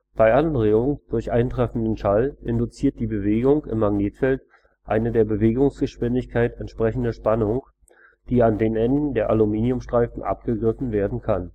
Bei Anregung durch eintreffenden Schall induziert die Bewegung im Magnetfeld eine der Bewegungsgeschwindigkeit entsprechende Spannung, die an den Enden der Aluminiumstreifen abgegriffen werden kann